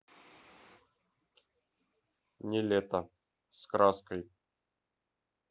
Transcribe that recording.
niletto с краской